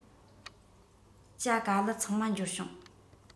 ཇ ག ལི ཚང མ འབྱོར བྱུང